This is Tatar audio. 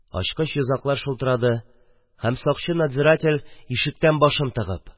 Ачкыч-йозаклар шылтырады, һәм сакчы надзиратель ишектән башын тыгып: